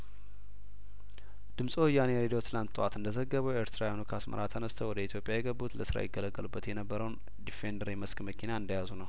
ድምጸ ወያኔ ሬዲዮ ትናንት ጠዋት እንደዘገበው ኤርትራውያኑ ከአስመራ ተነስተው ኢትዮጵያ የገቡት ለስራ ይገለገሉበት የነበረውን ዲፌን ደር የመስክ መኪና እንደያዙ ነው